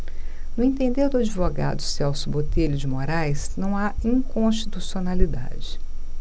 no entender do advogado celso botelho de moraes não há inconstitucionalidade